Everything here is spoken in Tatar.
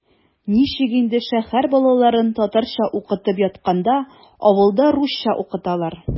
Ничек инде шәһәр балаларын татарча укытып ятканда авылда русча укыталар?!